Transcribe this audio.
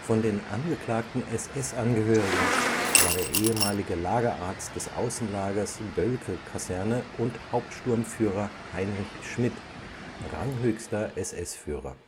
Von den angeklagten SS-Angehörigen war der ehemalige Lagerarzt des Außenlagers Boelcke-Kaserne und Hauptsturmführer Heinrich Schmidt ranghöchster SS-Führer